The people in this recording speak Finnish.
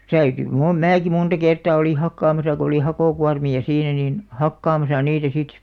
täytyi - minäkin monta kertaa olin hakkaamassa kun oli hakokuormia siinä niin hakkaamassa niitä sitten